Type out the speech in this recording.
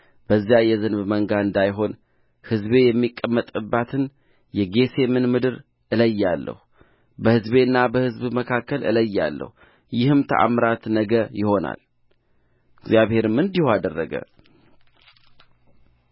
በዚያ የዝንብ መንጋ እንዳይሆን ሕዝቤ የሚቀመጥባትን የጌሤምን ምድር እለያለሁ በሕዝቤና በሕዝብህ መካከል እለያለሁ ይህም ተአምራት ነገ ይሆናል እግዚአብሔርም እንዲሁ አደረገ